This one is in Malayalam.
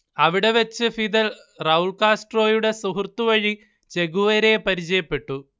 അവിടെ വെച്ച് ഫിദൽ റൗൾ കാസ്ട്രോയുടെ സുഹൃത്തു വഴി ചെഗുവേരയെ പരിചയപ്പെട്ടു